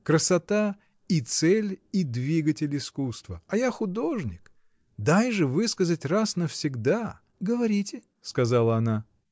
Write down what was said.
Красота — и цель, и двигатель искусства, а я художник: дай же высказать раз навсегда. — Говорите, — сказала она.